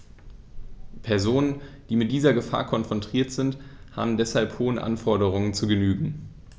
Personen, die mit dieser Gefahr konfrontiert sind, haben deshalb hohen Anforderungen zu genügen.